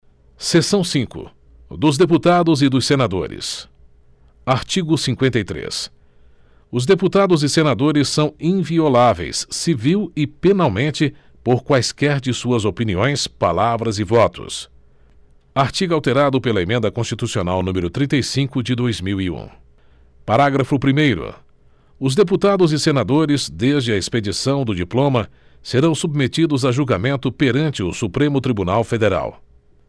seção cinco dos deputados e dos senadores artigo cinquenta e três os deputados e senadores são invioláveis civil e penalmente por quaisquer de suas opiniões palavras e votos artigo alterado pela emenda constitucional número trinta e cinco de dois mil e um parágrafo primeiro os deputados e senadores desde a expedição do diploma serão submetidos a julgamento perante o supremo tribunal federal